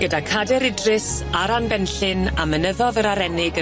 Gyda Cader Idris, Aran Benllyn, a mynyddodd yr Arennig